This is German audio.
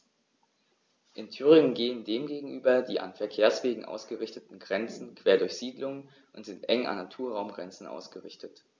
In Thüringen gehen dem gegenüber die an Verkehrswegen ausgerichteten Grenzen quer durch Siedlungen und sind eng an Naturraumgrenzen ausgerichtet.